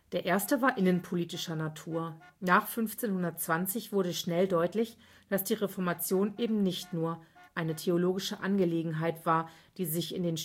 Der erste war innenpolitischer Natur: Nach 1520 wurde schnell deutlich, dass die Reformation eben nicht nur eine theologische Angelegenheit war, die sich in